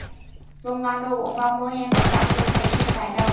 dùng làm đồ uống vào mùa hè có tác dụng thanh nhiệt giải độc